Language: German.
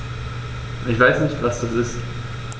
Ich weiß nicht, was das ist.